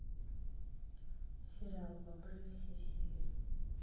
сериал бобры все серии